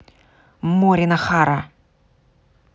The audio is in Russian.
морин охара